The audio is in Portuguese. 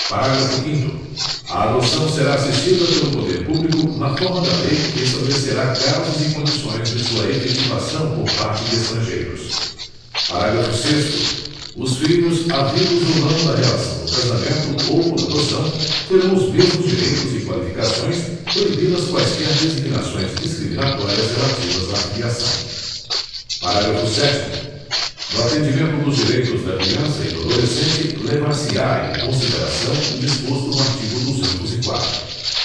parágrafo quinto a adoção será assistida pelo poder público na forma da lei que estabelecerá casos e condições de sua efetivação por parte de estrangeiros parágrafo sexto os filhos havidos ou não da relação do casamento ou por adoção terão os mesmos direitos e qualificações proibidas quaisquer designações discriminatórias relativas à filiação parágrafo sétimo no atendimento dos direitos da criança e do adolescente levar se á em consideração o disposto no artigo duzentos e quatro